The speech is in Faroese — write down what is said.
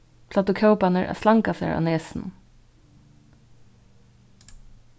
plagdu kóparnir at slanga sær á nesinum